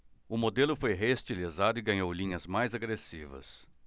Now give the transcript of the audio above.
o modelo foi reestilizado e ganhou linhas mais agressivas